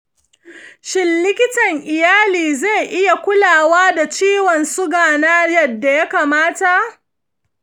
shin likitan iyali zai iya kula da ciwon suga na yadda ya kamata?